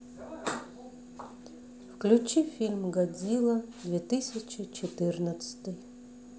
включи фильм годзилла две тысячи четырнадцатый